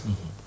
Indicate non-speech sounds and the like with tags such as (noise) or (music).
(hesitation) (hesitation)